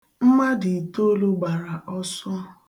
Mmadụ itolu gbara ọsọ.